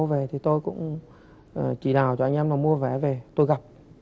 về thì tôi cũng à chỉ đạo cho anh em là mua vé về tôi gặp